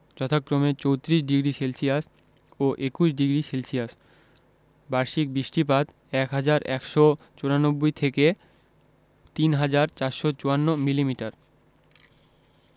যথাক্রমে ৩৪ডিগ্রি সেলসিয়াস ও ২১ডিগ্রি সেলসিয়াস বার্ষিক বৃষ্টিপাত ১হাজার ১৯৪ থেকে ৩হাজার ৪৫৪ মিলিমিটার